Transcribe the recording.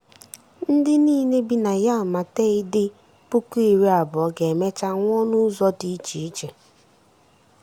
Ndị niile bi na Yau Ma Tei dị 20,000 ga-emecha nwụọ n'ụzọ dị iche iche.